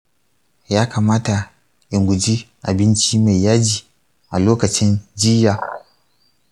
ya kamata in guji abinci mai yaji a lokacin jiyya?